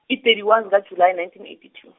i- thirty one zika July nineteen eighty two.